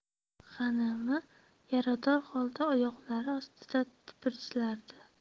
g'animi yarador holda oyoqlari ostida tipirchilardi